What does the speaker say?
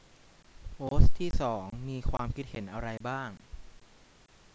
โพสต์ที่สองมีความคิดเห็นอะไรบ้าง